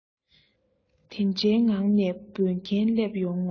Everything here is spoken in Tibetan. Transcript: དེ འདྲའི ངང ནས འབོད མཁན སླེབས ཡོང ངོ